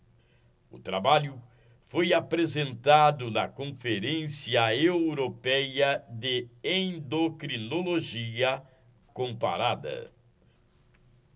o trabalho foi apresentado na conferência européia de endocrinologia comparada